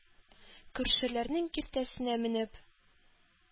Күршеләрнең киртәсенә менеп,